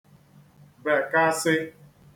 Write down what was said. bèkasī